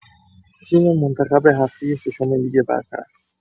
تیم منتخب هفته ششم لیگ برتر